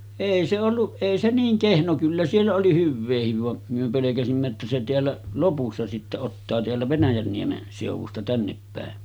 ei se ollut ei se niin kehno kyllä siellä oli hyvääkin vaan me pelkäsimme että se täällä lopussa sitten ottaa täällä Venäjänniemen seudusta tännepäin